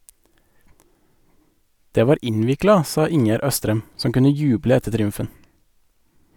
Det var innvikla sa Ingjerd Østrem, som kunne juble etter triumfen.